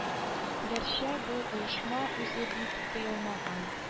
Гәрчә бу оешма үзе бит тыелмаган